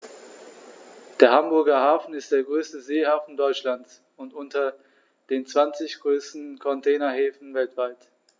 Der Hamburger Hafen ist der größte Seehafen Deutschlands und unter den zwanzig größten Containerhäfen weltweit.